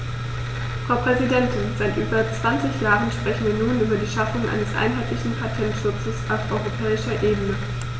Frau Präsidentin, seit über 20 Jahren sprechen wir nun über die Schaffung eines einheitlichen Patentschutzes auf europäischer Ebene.